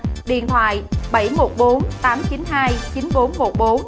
điện thoại bảy một bốn tám chín hai chín bốn một bốn